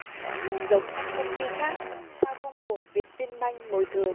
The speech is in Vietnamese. giống năm công ty khác sao không buộc vietinbank bồi thường